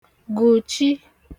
gùchi